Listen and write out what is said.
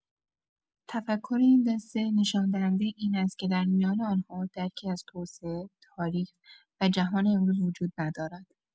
تفکر این دسته نشان‌دهنده این است که در میان آن‌ها درکی از توسعه، تاریخ و جهان امروز وجود ندارد.